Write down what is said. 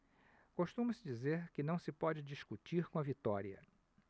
costuma-se dizer que não se pode discutir com a vitória